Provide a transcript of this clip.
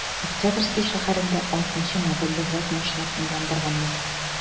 Октябрьский шәһәрендә 6 нчы модельле ваз машинасын яндырганнар.